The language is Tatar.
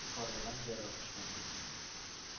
Карлыган җыярга кушкан иде